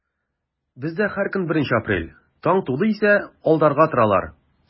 Бездә һәр көн беренче апрель, таң туды исә алдарга торалар.